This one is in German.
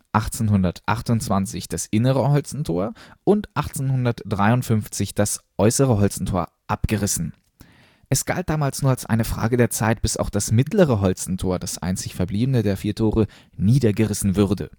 1828 das Innere Holstentor und 1853 das Äußere Holstentor abgerissen. Es galt damals nur als eine Frage der Zeit, bis auch das Mittlere Holstentor, das einzig verbliebene der vier Tore, niedergerissen würde